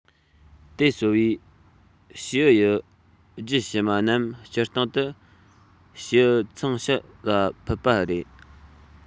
དེ གསོ བའི བྱེའུ ཡི རྒྱུད ཕྱི མ རྣམས སྤྱིར བཏང དུ བྱེའུ ཚང ཕྱི ལ འཕུད པ རེད